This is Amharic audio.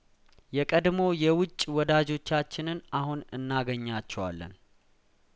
የቀድሞ የውጭ ወዳጆቻችንን አሁን እናገኛቸዋለን